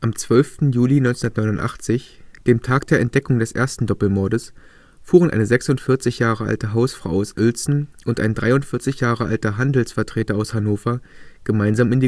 12. Juli 1989, dem Tag der Entdeckung des ersten Doppelmordes fuhren eine 46 Jahre alte Hausfrau aus Uelzen und ein 43 Jahre alter Handelsvertreter aus Hannover gemeinsam